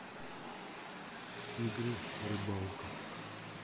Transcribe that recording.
игры рыбалка